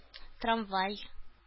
Трамвай